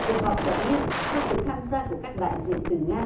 cuộc họp tại min có sự tham gia của các đại diện từ nga